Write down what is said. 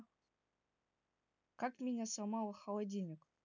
как меня сломала холодильник